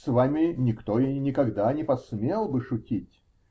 С вами никто и никогда не посмел бы шутить.